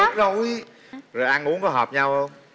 được rồi rồi ăn uống có hợp nhau không